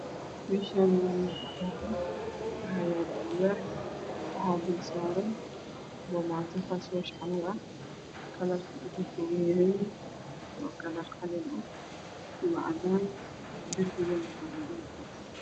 Meeshaan waa meel cadaan ah waxaa yaalo alwaax waxaa dulsaaran boomaato fashwoosh ah kalarka uu ka kooban yahay waa kalar qalin ah iyo cadaan darbiguna Waa cadaan.